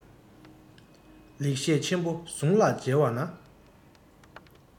ལེགས བཤད ཆེན པོ ཟུང ལ མཇལ བ ན